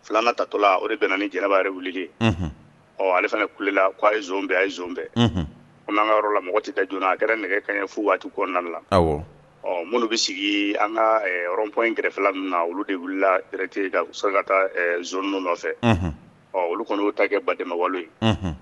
Filanan tatɔ o de bɛn ni jarabaa yɛrɛ wuli ɔ ale fana kulela k' a ye bɛɛ a ye bɛɛ an'an ka yɔrɔ la mɔgɔ tɛ tɛ joona a kɛra nɛgɛ ka fu waati kɔnɔna la ɔ minnu bɛ sigi an ka ɔn in kɛrɛfɛɛrɛfɛ min na olu de wili sɔrɔ ka taa nɔfɛ ɔ olu kɔni ta kɛ badamawale ye